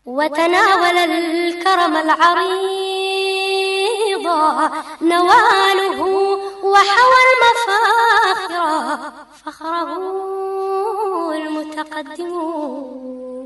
Wa wakɔrɔbɔ naamu wa wolo